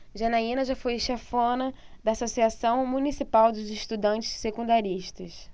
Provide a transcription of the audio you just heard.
janaina foi chefona da ames associação municipal dos estudantes secundaristas